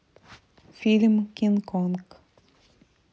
фильм кинг конг